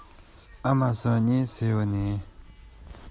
གཅེན པོ དང ཨ མ གཉིས ཁུ སིམ མེར